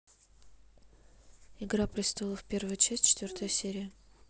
игра престолов первая часть четвертая серия